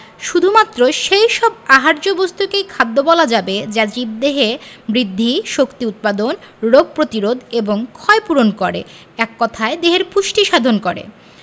শুধুমাত্র সেই সব আহার্য বস্তুকেই খাদ্য বলা যাবে যা জীবদেহে বৃদ্ধি শক্তি উৎপাদন রোগ প্রতিরোধ এবং ক্ষয়পূরণ করে এক কথায় দেহের পুষ্টি সাধন করে